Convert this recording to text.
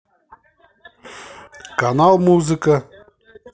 канал музыка